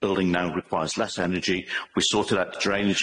building now requires less energy we sorted out the drainage